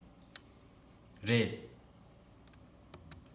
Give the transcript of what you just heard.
རེད